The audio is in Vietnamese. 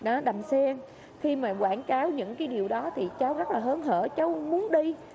đó đầm sen khi mà quảng cáo những cái điều đó thì cháu rất là hớn hở cháu muốn đi